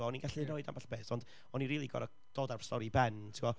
o'n i'n gallu... ia. ...roid ambell beth, ond o'n i'n rili'n gorod dod a'r stori i ben, tibod.